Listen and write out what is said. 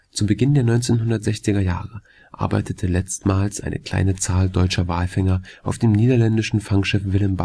Zu Beginn der 1960er-Jahre arbeitete letztmals eine kleine Zahl deutscher Walfänger auf dem niederländischen Fangschiff Willem